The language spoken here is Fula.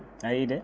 ayii de